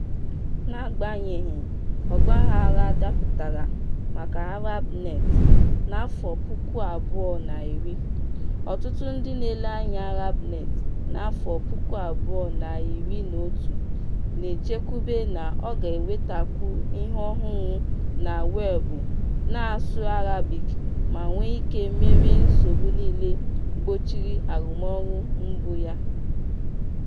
N'agbanyeghị ọgbaghara dapụtara maka ArabNet 2010, ọtụtụ ndị na-ele anya ArabNet 2011 na-echekwube na ọ ga-ewetakwu ihe ọhụrụ na weebụ na-asụ Arabic ma nwe ike merie nsogbu niile gbochiri arụmọrụ mbụ ya.